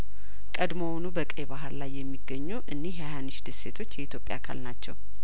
ቀድሞውኑ በቀይባህር ላይ የሚገኙ እኒህ የሀኒሽ ደሴቶች የኢትዮጵያ አካል ናቸው